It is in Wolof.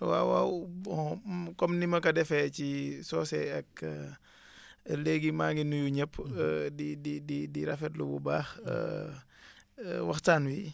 waaw waaw bon comme ni ma ko defee ci socé ak léegi maa ngi nuyu ñëpp di di di di rafetlu bu baax waxtaan wi